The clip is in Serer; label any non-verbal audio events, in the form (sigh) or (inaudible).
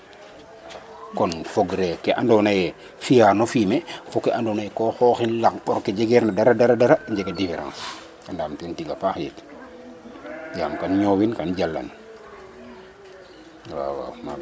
Kon fogree ke andoona yee fi'aano fumier fo ke andoona yee koo xooxin lang ɓor ke jegeerna dara dara a jega différence andaam ten tig a paax it (noise) yaam kaam ñoowin kaam jalan wawaw maaga dal .